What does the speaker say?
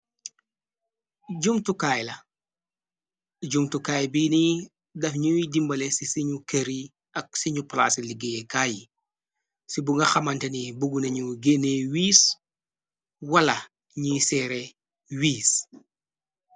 Jumtukaay bi ni daf ñuy dimbale ci ci ñu kër i ak ci ñu plaase liggéeye kaay. Yi ci bu nga xamante ni buggu nañu gene wiis wala ñiy seere wiis.